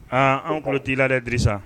Aa anw tulo t'i la dɛ Drisa!